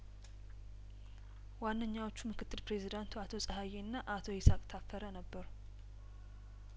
ዋንኛዎቹ ምክትል ፕሬዚዳንቱ አቶ ጸሀዬና አቶ ይስሀቅ ታፈረ ነበሩ